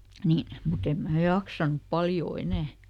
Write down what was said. niin mutta en minä jaksanut paljon enää